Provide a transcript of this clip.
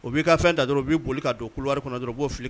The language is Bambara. O b'i ka fɛn da dɔrɔn o bi boli ka don couloir kɔnɔ dɔrɔn u b'o fili